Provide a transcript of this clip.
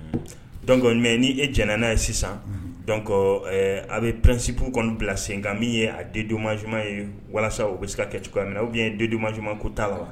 Donc mɛ ni e ti n'a ye sisan a bɛ pɛsip kɔni bila sen nka min ye a dendonmauma ye walasa u bɛ se kɛ cogoya minɛ u ye den dimauma ko t'a la